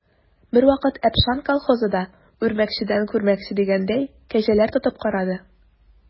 Бервакыт «Әпшән» колхозы да, үрмәкчедән күрмәкче дигәндәй, кәҗәләр тотып карады.